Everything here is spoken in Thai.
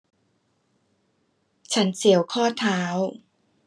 ฉันเสียวข้อเท้า